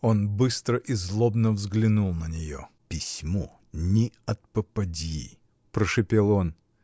Он быстро и злобно взглянул на нее. — Письмо не от попадьи! — прошипел он.